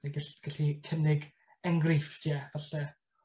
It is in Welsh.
Ne' gell- gellu cynnig enghreifftie falle.